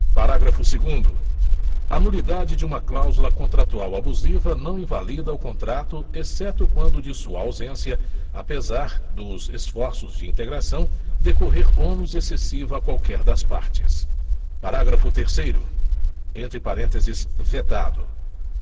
parágrafo segundo a nulidade de uma cláusula contratual abusiva não invalida o contrato exceto quando de sua ausência apesar dos esforços de integração decorrer ônus excessivo a qualquer das partes parágrafo terceiro entre parênteses vetado